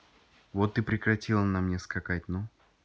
вот ты прекратила на мне скакать ну